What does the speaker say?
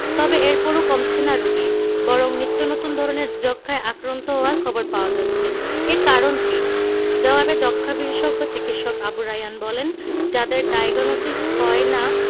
তবে এরপরও কমছে না রোগী বরং নিত্যনতুন ধরনের যক্ষ্মায় আক্রান্ত হওয়ার খবর পাওয়া যাচ্ছে এর কারণ কী জবাবে যক্ষ্মা বিশেষজ্ঞ চিকিৎসক আবু রায়হান বলেন যাদের ডায়াগনসিস হয় না